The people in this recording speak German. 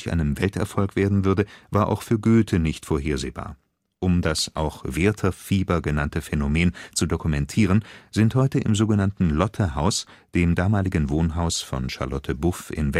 einem Welterfolg werden würde, war auch für Goethe nicht vorhersehbar. Um das auch Wertherfieber genannte Phänomen zu dokumentieren, sind heute im sogenannten Lotte-Haus, dem damaligen Wohnhaus von Charlotte Buff in